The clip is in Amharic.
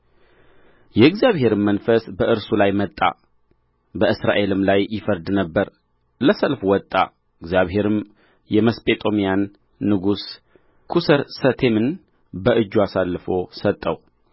የእግዚአብሔርም መንፈስ በእርሱ ላይ መጣ በእስራኤልም ላይ ይፈርድ ነበር ለሰልፍ ወጣ እግዚአብሔርም የመስጴጦምያን ንጉሥ ኵሰርሰቴምን በእጁ አሳልፎ ሰጠው